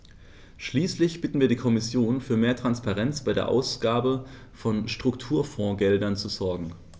Schließlich bitten wir die Kommission, für mehr Transparenz bei der Ausgabe von Strukturfondsgeldern zu sorgen.